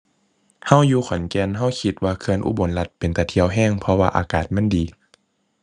เราอยู่ขอนแก่น เราคิดว่าเขื่อนอุบลรัตน์เป็นตาเที่ยวเราเพราะว่าอากาศมันดี